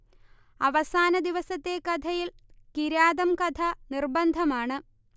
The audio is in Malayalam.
അവസാനദിവസത്തെ കഥയിൽ കിരാതംകഥ നിർബന്ധമാണ്